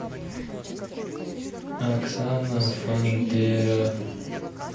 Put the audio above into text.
оксана фандера